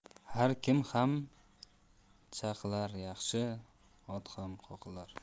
har kim ham chaqilar yaxshi ot ham qoqilar